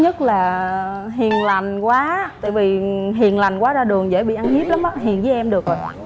nhất là hiền lành quá tại vì hiền lành quá ra đường dễ bị ăn hiếp lắm hiền với em được rồi